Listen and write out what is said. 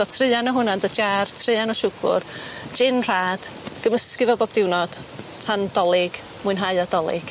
So treian o hwnna yn dy jar treian o siwgwr jin rhad gymysgu fo bob diwrnod tan dolig mwynhau ar dolig.